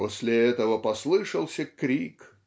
"После этого послышался крик